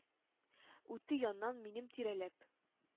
Үтте яннан, минем тирәләп.